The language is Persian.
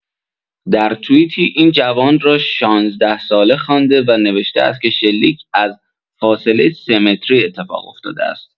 در توییتی این جوان را ۱۶ ساله خوانده و نوشته است که شلیک از «فاصله سه‌متری» اتفاق افتاده است.